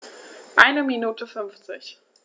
Eine Minute 50